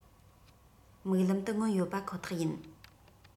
མིག ལམ དུ མངོན ཡོད པ ཁོ ཐག ཡིན